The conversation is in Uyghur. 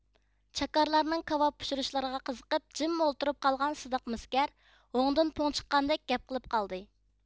چاكارلارنىڭ كاۋاپ پىشۇرۇشلىرىغا قىزىقىپ جىم ئولتۇرۇپ قالغان سىدىق مىسكەر ھوڭدىن پوڭ چىققاندەك گەپ قىلىپ قالدى